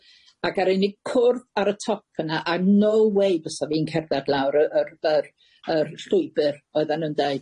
ag aru ni cwrdd ar y top yna, a no way fysa fi'n cerddad lawr y- yr yr yr llwybyr oeddan nw'n deud.